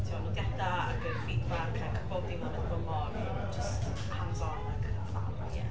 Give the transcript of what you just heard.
Tibod, nodiadau ac yr feedback ac bob dim. A ma' hi 'di bod mor jyst hands-on ac yn ffab, ia.